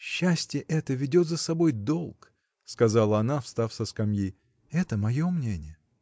— Счастье это ведет за собой долг, — сказала она, встав со скамьи, — это мое мнение.